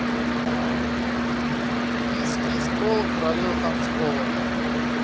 кис кис кола королева танцпола